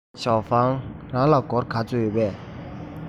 ཞའོ ཧྥང རང ལ སྒོར ག ཚོད ཡོད པས